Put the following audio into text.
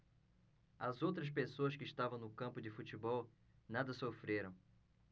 as outras pessoas que estavam no campo de futebol nada sofreram